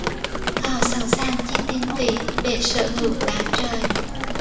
họ sẵn sàng chi tiền tỷ để sở hữu đá trời